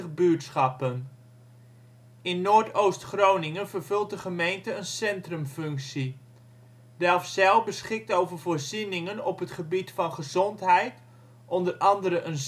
buurtschappen. In Noordoost-Groningen vervult de gemeente een centrumfunctie. Delfzijl beschikt over voorzieningen op het gebied van gezondheid (onder andere een